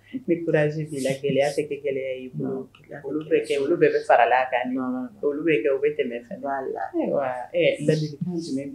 Niz la kɛ gɛlɛya bolo bɛɛ bɛ farala kan tɛmɛ